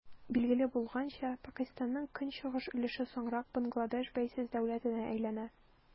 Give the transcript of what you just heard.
Билгеле булганча, Пакыстанның көнчыгыш өлеше соңрак Бангладеш бәйсез дәүләтенә әйләнә.